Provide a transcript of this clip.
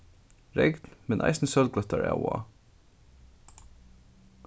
regn men eisini sólglottar av og á